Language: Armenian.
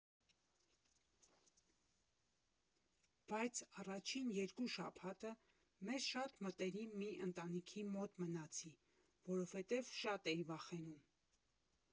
Բայց առաջին երկու շաբաթը մեզ շատ մտերիմ մի ընտանիքի մոտ մնացի, որովհետև շատ էի վախենում։